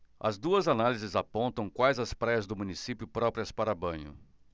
as duas análises apontam quais as praias do município próprias para banho